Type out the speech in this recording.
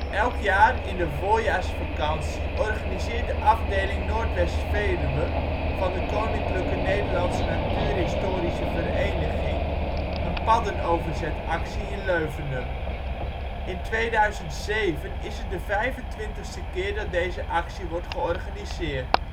Elk jaar in de voorjaarsvakantie organiseert de afdeling Noord-West Veluwe van de Koninklijke Nederlandse Natuurhistorische Vereniging (KNNV) een paddenoverzetactie in Leuvenum. In 2007 is het de 25ste keer dat deze actie wordt georganiseerd